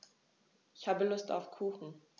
Ich habe Lust auf Kuchen.